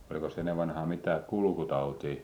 olikos ennen vanhaan mitään kulkutautia